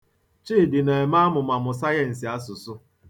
Chidị na-eme amụmamụ asụsụ.